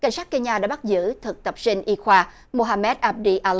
cảnh sát cây nha đã bắt giữ thực tập sinh y khoa mu ha mét a li a